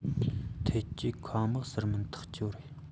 འཐབ ཇུས མཁའ དམག ཟེར མིན ཐག ཆོད རེད